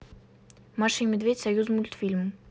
маша и медведь союзмультфильм